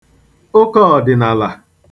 ụkaọ̀dị̀nàlà